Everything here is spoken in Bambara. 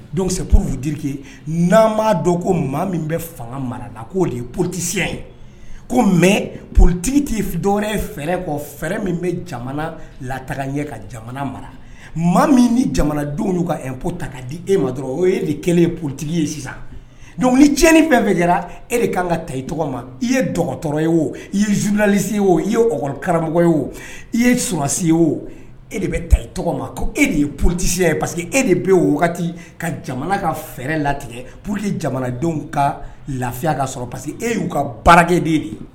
Don pfuke n'an m'a dɔn ko maa min bɛ fanga mara la koo de ye ptesiya ye ko mɛ porotigi tɛ dɔwɛrɛ ye fɛɛrɛ kɔ fɛɛrɛ min bɛ jamana lata ɲɛ ka jamana mara maa min ni jamanadenw y'u ka ɛ pta ka di e ma dɔrɔn o ye de kɛlen ye ptigi ye sisan ni tiɲɛnin bɛɛ fɛ e de kan ka tayi tɔgɔ ma i ye dɔgɔtɔrɔ ye o i ye zvinalisi o i ye okaramɔgɔ ye o i ye sonsi o e de bɛ ta tɔgɔ ma ko e de ye ptesiya ye pa que e de bɛ wagati ka jamana ka fɛɛrɛ latigɛ pur jamanadenw ka lafiya ka sɔrɔ pa que e y'u ka baarakɛ de de